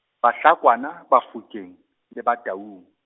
Bahlakwana, Bafokeng, le Bataung.